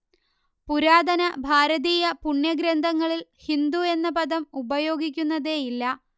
പുരാതന ഭാരതീയ പുണ്യഗ്രന്ഥങ്ങളിൽ ഹിന്ദു എന്ന പദം ഉപയോഗിക്കുന്നതേയില്ല